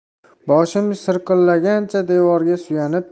boshim sirqillagancha devorga